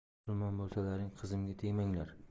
musulmon bo'lsalaring qizimga tegmanglar